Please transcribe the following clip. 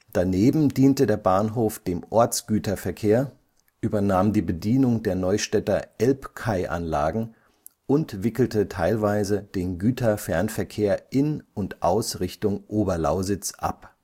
Daneben diente der Bahnhof dem Ortsgüterverkehr, übernahm die Bedienung der Neustädter Elbkaianlagen und wickelte teilweise den Güterfernverkehr in und aus Richtung Oberlausitz ab